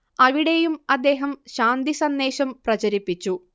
അവിടെയും അദ്ദേഹം ശാന്തി സന്ദേശം പ്രചരിപ്പിച്ചു